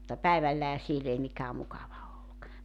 mutta päivällähän siellä ei mikään mukava ollut